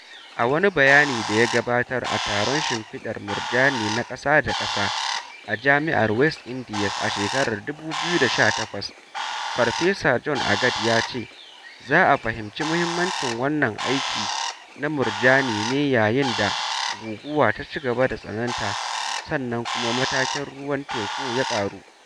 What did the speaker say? A wani bayani da ya gabatar a taron shimfiɗar murjani na ƙasa da ƙasa a Jami'ar West Indies a shekarar 2018, Farfesa John Agard ya ce za a fahimci muhimmancin wannan aiki na murjani ne yayin da guguwa ta cigaba da tsananta sannan kuma matakin ruwan teku ya ƙaru.